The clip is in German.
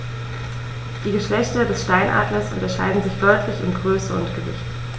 Die Geschlechter des Steinadlers unterscheiden sich deutlich in Größe und Gewicht.